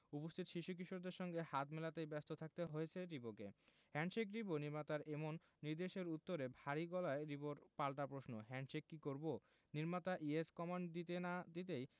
উপস্থিত শিশু কিশোরদের সঙ্গে হাত মেলাতেই ব্যস্ত থাকতে হয়েছে রিবোকে হ্যান্ডশেক রিবো নির্মাতার এমন নির্দেশের উত্তরে ভারী গলায় রিবোর পাল্টা প্রশ্ন হ্যান্ডশেক কি করবো নির্মাতা ইয়েস কমান্ড দিতে না দিতেই